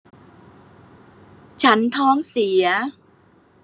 ฉันท้องเสีย